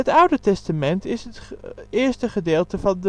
oude testament is het eerste gedeelte van